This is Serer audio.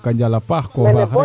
njoko njal a paax